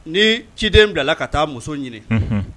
Ni ciden bila ka taa muso ɲini